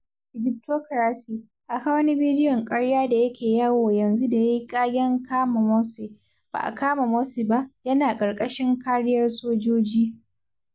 Egyptocracy: Akwai wani bidiyon ƙarya da yake yawo a yanzu da ya yi ƙagen '#kama Morsi', ba a kama Morsi ba, yana ƙarƙashin kariyar sojoji.